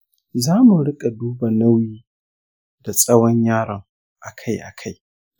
za mu riƙa duba nauyi da tsawon yaron akai-akai.